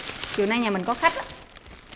chiều nay nhà mình có khách á